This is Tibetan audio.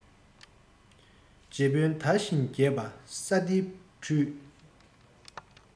རྗེ དཔོན དར ཞིང རྒྱས པ ས སྡེའི འཕྲུལ